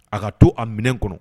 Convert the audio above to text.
A ka to a minɛ kɔnɔ